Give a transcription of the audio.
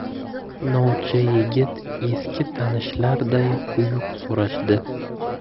novcha yigit eski tanishlarday quyuq so'rashdi